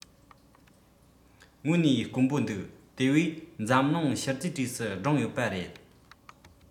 དངོས གནས དཀོན པོ འདུག དེ བས འཛམ གླིང ཤུལ རྫས གྲས སུ བསྒྲེངས ཡོད པ རེད